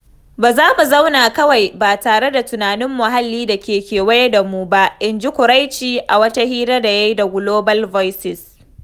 “Ba za mu zauna kawai ba tare da tunanin muhalli da ke kewaye da mu ba,” in ji Koraichi, a wata hira da ya yi da Global Voices.